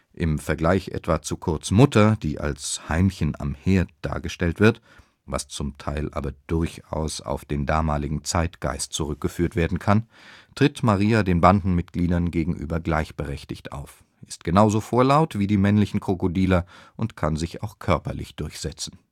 Im Vergleich etwa zu Kurts Mutter, die als „ Heimchen am Herd “dargestellt wird (was z. T. aber durchaus auf den damaligen Zeitgeist zurückgeführt werden kann), tritt Maria den Bandenmitgliedern gegenüber gleichberechtigt auf, ist genauso vorlaut wie die männlichen Krokodiler und kann sich auch körperlich durchsetzen